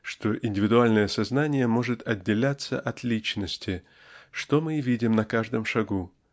что индивидуальное сознание может отделяться от личности что мы и видим на каждом шагу